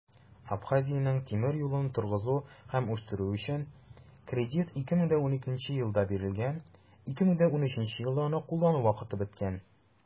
Абхазиянең тимер юлын торгызу һәм үстерү өчен кредит 2012 елда бирелгән, 2013 елда аны куллану вакыты беткән.